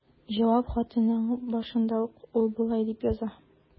Җавап хатының башында ук ул болай дип яза.